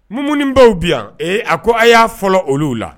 Munumunibaw bi yan ee a ko a y'a fɔ olu la